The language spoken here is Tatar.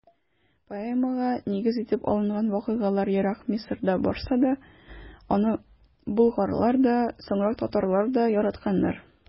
Поэмага нигез итеп алынган вакыйгалар ерак Мисырда барса да, аны болгарлар да, соңрак татарлар да яратканнар.